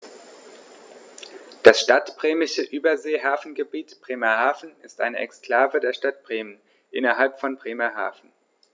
Das Stadtbremische Überseehafengebiet Bremerhaven ist eine Exklave der Stadt Bremen innerhalb von Bremerhaven.